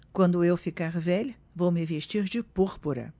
quando eu ficar velha vou me vestir de púrpura